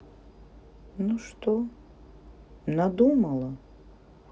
ну что надумала